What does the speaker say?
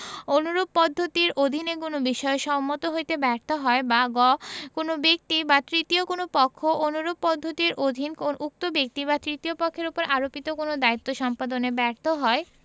অনুরূপ পদ্ধতির অধীন কোন বিষয়ে সম্মত হইতে ব্যর্থ হয় বা গ কোন ব্যীক্ত বা তৃতীয় কোন পক্ষ অনুরূপ পদ্ধতির অধীন উক্ত ব্যক্তি বা তৃতীয় পক্ষের উপর আরোপিত কোন দায়িত্ব সম্পাদনে ব্যর্থ হয়